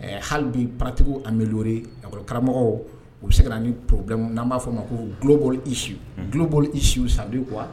Hali bi pratiques w amélioré lakɔli karamɔgɔw u bɛ se ka na ni problème ye n'an b'o fo ma ko global issu global issu, ça veut dire Unhun.